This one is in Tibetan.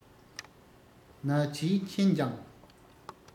ན གྱིས མཁྱེན ཀྱང